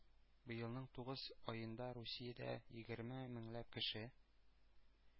Быелның тугыз аенда русиядә егерме меңләп кеше